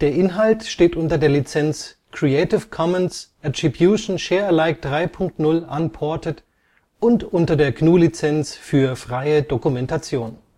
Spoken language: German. Inhalt steht unter der Lizenz Creative Commons Attribution Share Alike 3 Punkt 0 Unported und unter der GNU Lizenz für freie Dokumentation